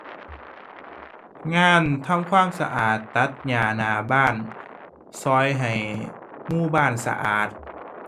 งานทำความสะอาดตัดหญ้าหน้าบ้าน ช่วยให้หมู่บ้านสะอาด